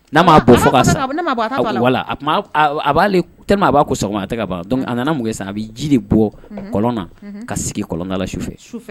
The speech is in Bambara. N'a wala a b'ale te b'a ko a tɛ ka ban a nana mun san a bɛ ji de bɔ kɔlɔnna ka sigi kɔlɔndala sufɛ